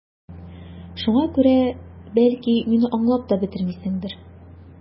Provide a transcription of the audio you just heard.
Шуңа күрә, бәлки, мине аңлап та бетермисеңдер...